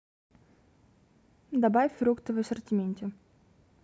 добавь фрукты в ассортименте